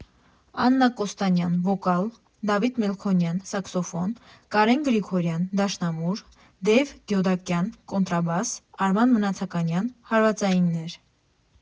Աննա Կոստանյան՝ վոկալ, Դավիթ Մելքոնյան՝ սաքսոֆոն, Կարեն Գրիգորյան՝ դաշնամուր, Դեյվ Գյոդակյան՝ կոնտրաբաս, Արման Մնացականյան՝ հարվածայիններ։